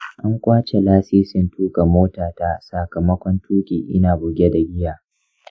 an ƙwace lasisin tuka motata sakamakon tuki ina buge da giya.